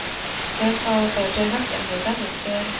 kéo co trò chơi hấp dẫn giữa các đội chơi